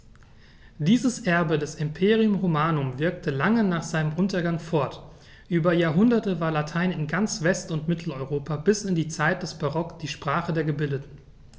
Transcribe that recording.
Dieses Erbe des Imperium Romanum wirkte lange nach seinem Untergang fort: Über Jahrhunderte war Latein in ganz West- und Mitteleuropa bis in die Zeit des Barock die Sprache der Gebildeten.